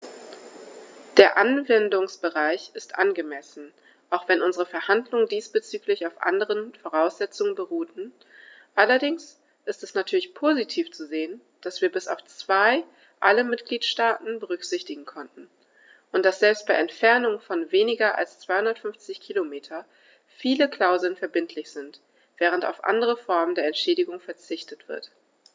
Der Anwendungsbereich ist angemessen, auch wenn unsere Verhandlungen diesbezüglich auf anderen Voraussetzungen beruhten, allerdings ist es natürlich positiv zu sehen, dass wir bis auf zwei alle Mitgliedstaaten berücksichtigen konnten, und dass selbst bei Entfernungen von weniger als 250 km viele Klauseln verbindlich sind, während auf andere Formen der Entschädigung verzichtet wird.